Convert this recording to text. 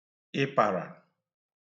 ịpàrà